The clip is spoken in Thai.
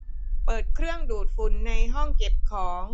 เปิดเครื่องดูดฝุ่นในห้องเก็บของ